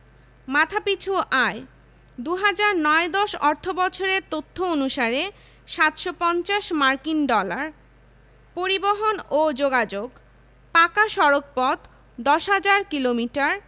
মাথাপিছু আয়ঃ ২০০৯ ১০ অর্থবছরের তথ্য অনুসারে ৭৫০ মার্কিন ডলার পরিবহণ ও যোগাযোগঃ পাকা সড়কপথ ১০হাজার কিলোমিটার